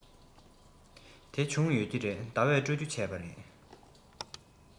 དེ བྱུང ཡོད ཀྱི རེད ཟླ བས སྤྲོད རྒྱུ བྱས པ རེད